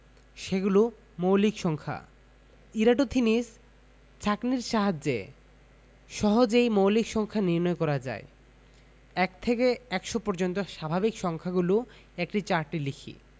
সেগুলো মৌলিক সংখ্যা ইরাটোথিনিস ছাঁকনির সাহায্যে সহজেই মৌলিক সংখ্যা নির্ণয় করা যায় ১ থেকে ১০০ পর্যন্ত স্বাভাবিক সংখ্যাগুলো একটি চার্টে লিখি